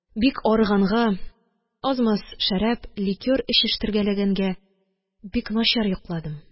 Бик арыганга, аз-маз шәрап, ликёр эчештергәләгәнгә, бик начар йокладым.